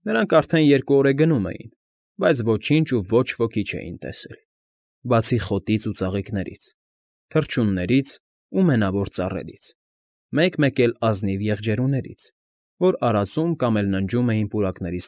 Նրանք արդեն երկու օր է գնում էին, բայց ոչինչ ու ոչ ոքի չէին տեսել, բացի խոտից ու ծաղիկներից, թռչուններից ու մենավոր ծառերից, մեկ֊մեկ էլ ազնիվ եղջերուներից, որ արածում կամ էլ ննջում էին պուրակների։